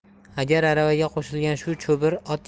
agar aravaga qo'shilgan shu cho'bir ot